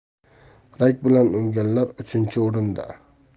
rak bilan o'lganlar uchinchi o'rinda